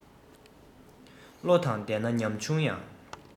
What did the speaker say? བློ དང ལྡན ན ཉམ ཆུང ཡང